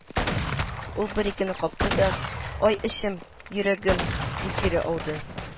Ул бер-ике капты да, "ай эчем, йөрәгем", – дип кире ауды